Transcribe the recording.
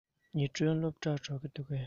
ཉི སྒྲོན སློབ གྲྭར འགྲོ གི འདུག གས